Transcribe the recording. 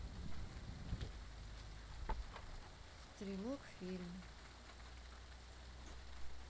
стрелок фильм